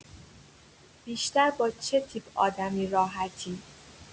بیشتر با چه تیپ آدمی راحتی؟